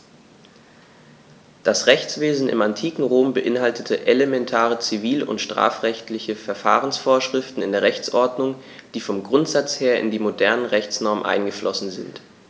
Das Rechtswesen im antiken Rom beinhaltete elementare zivil- und strafrechtliche Verfahrensvorschriften in der Rechtsordnung, die vom Grundsatz her in die modernen Rechtsnormen eingeflossen sind.